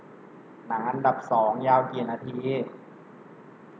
หนังอันดับสองยาวกี่นาที